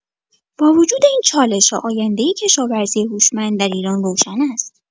با وجود این چالش‌ها، آینده کشاورزی هوشمند در ایران روشن است.